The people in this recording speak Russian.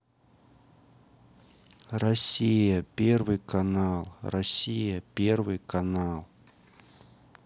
россия первый канал россия первый канал